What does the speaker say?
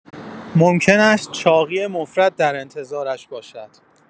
ممکن است چاقی مفرط در انتظارش باشد.